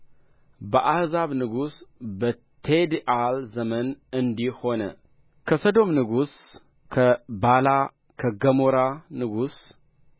በአሕዛብ ንጉሥ በቲድዓል ዘመን እንዲህ ሆነ ከሰዶም ንጉሥ ከባላ ከገሞራ ንጉሥ